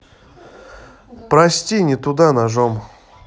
прости не туда ножом